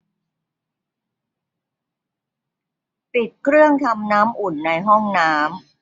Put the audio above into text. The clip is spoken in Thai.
ปิดเครื่องทำน้ำอุ่นในห้องน้ำ